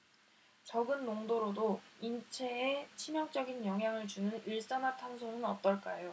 적은 농도로도 인체에 치명적인 영향을 주는 일산화탄소는 어떨까요